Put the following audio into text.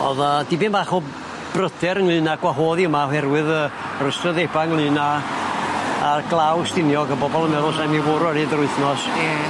O'dd 'a dibyn bach o bryder ynglŷn â gwahodd hi yma oherwydd y yr ystrydeba' ynglŷn â a'r glaw Stiniog y bobol yn meddwl sai'n mynd i fwrw ar hyd yr wythnos. Ie.